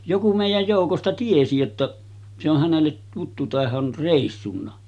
joku meidän joukosta tiesi jotta se on hänelle tuttu että hän on reissunnut